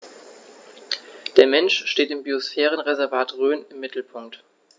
Der Mensch steht im Biosphärenreservat Rhön im Mittelpunkt.